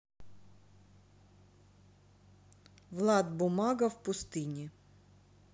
влад бумага в пустыне